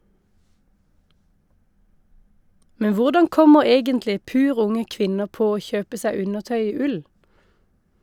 Men hvordan kommer egentlig pur unge kvinner på å kjøpe seg undertøy i ull?